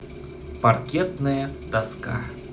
паркетная доска